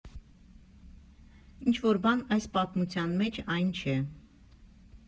Ինչ֊որ բան այս պատմության մեջ այն չէ…